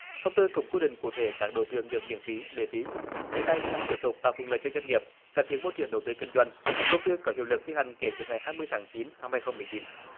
thông tư cũng quy định cụ thể các đối tượng được miễn phí lệ phí việc này nhằm tiếp tục tạo thuận lợi cho doanh nghiệp cải thiện môi trường đầu tư kinh doanh công tư có hiệu lực thi hành kể từ ngày hai mươi tháng chín năm hai không mười chín